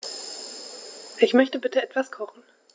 Ich möchte bitte etwas kochen.